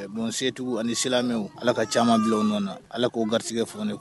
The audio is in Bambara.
Bon setigiw ani ni silamɛme ala ka ca bila nɔ ala k'o garijɛgɛ fɔ ne